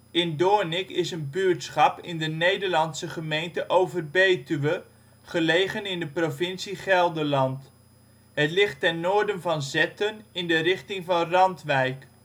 Indoornik is een buurtschap in de Nederlandse gemeente Overbetuwe, gelegen in de provincie Gelderland. Het ligt ten noorden van Zetten in de richting van Randwijk